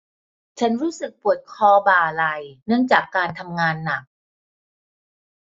ฉันรู้สึกปวดคอบ่าไหล่เนื่องจากการทำงานหนัก